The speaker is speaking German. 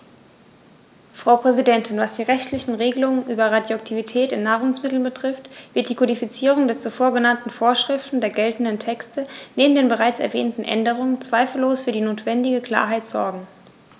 Frau Präsidentin, was die rechtlichen Regelungen über Radioaktivität in Nahrungsmitteln betrifft, wird die Kodifizierung der zuvor genannten Vorschriften der geltenden Texte neben den bereits erwähnten Änderungen zweifellos für die notwendige Klarheit sorgen.